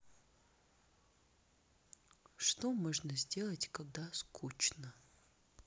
что можно сделать когда скучно